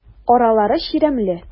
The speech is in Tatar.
Аралары чирәмле.